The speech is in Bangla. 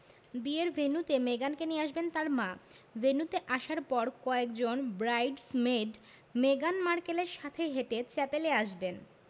বিয়ের ভেন্যুতে মেগানকে নিয়ে আসবেন তাঁর মা ভেন্যুতে আসার পর কয়েকজন ব্রাইডস মেড মেগান মার্কেলের সাথে হেঁটে চ্যাপেলে আসবেন